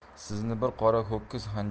sizni bir qora ho'kiz